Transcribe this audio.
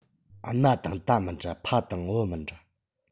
གནའ དང ད མི འདྲ ཕ དང བུ མི འདྲ